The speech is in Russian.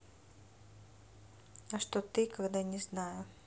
а что ты когда не знаю